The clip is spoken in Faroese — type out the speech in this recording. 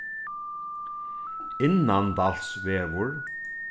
innandalsvegur